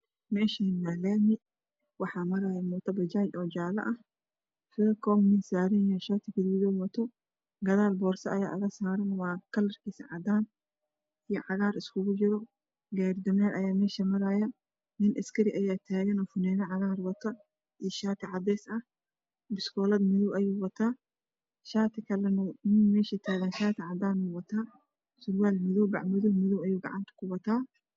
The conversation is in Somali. Meeshaani waa laami waxaa marayo mooto bsjaaj oo jaàlo ah, feykon mid saaran yahay shaati gaduudan wato dadaal boorso ayaa'ada saaran waa karrartiisa waa cdaan iyo cagaar isku jiro gaari-dameer ayaa nin askari ayaa taagan oo finaano cagaar wato iyo shaati cadeys ah bistoolad madow ayuu wataa shaati kalana non meesha taagan shaati cadaanow wataa iyo surwaal madow bac baguug madow ayuu gacanta ku wataa.